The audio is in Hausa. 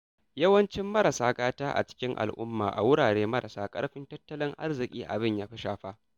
Yawanci mata marasa gata a cikin al'umma a wurare marasa ƙarfin tattalin arziƙi abin ya fi shafa.